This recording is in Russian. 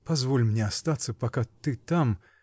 — Позволь мне остаться, пока ты там.